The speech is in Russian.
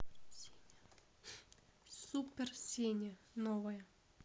супер сеня новое